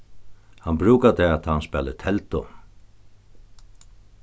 hann brúkar tað tá hann spælir teldu